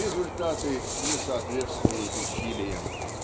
Результаты не соответствуют усилиям.